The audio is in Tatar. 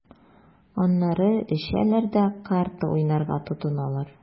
Аннары эчәләр дә карта уйнарга тотыналар.